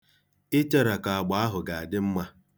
Iterakọ agba ahụ ga-adị mma.